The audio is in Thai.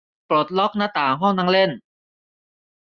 ปลดล็อกหน้าต่างห้องนั่งเล่น